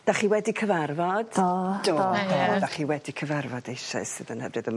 'Dach chi wedi cyfarfod. Do do do. 'Dach chi wedi cyfarfod eisoes sydd yn hyfryd a ma'...